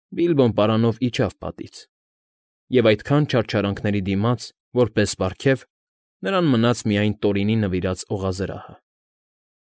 Բիլբոն պարանով իջավ պատից, և այդքան չարչարանքների դիմաց, որպես պարգև, նրան մնաց միայն Տորինի նվիրած օղազրահը։